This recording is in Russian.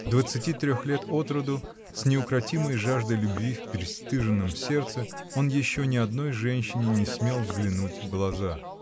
двадцати трех лет от роду, с неукротимой жаждой любви в пристыженном сердце, он еще ни одной женщине не смел взглянуть в глаза.